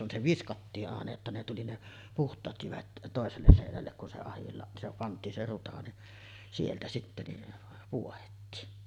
kun se viskattiin aina jotta ne tuli ne puhtaat jyvät toiselle seinälle kun se - se pantiin se ruta niin sieltä sitten niin pohdettiin